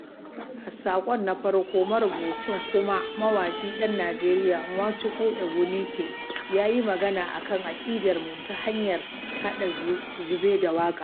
A saƙon na farko, marubucin kuma mawaƙi ɗan Nijeriya, Nwachukwu Egbunike ya yi magana a kan akidar mu ta hanyar haɗa zube da waƙa.